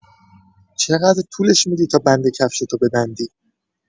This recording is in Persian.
چقدر طولش می‌دی تابند کفشتو ببندی.